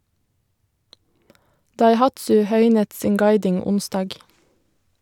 Daihatsu høynet sin guiding onsdag.